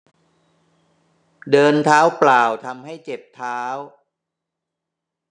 เดินเท้าเปล่าทำให้เจ็บเท้า